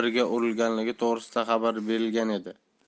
biriga urilganligi to'g'risida xabar berilgan edi